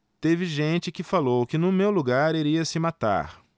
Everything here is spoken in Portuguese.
teve gente que falou que no meu lugar iria se matar